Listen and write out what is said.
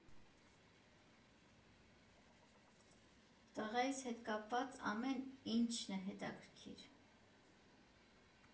Տղայիս հետ կապված ամեն ինչն է հետաքրքիր.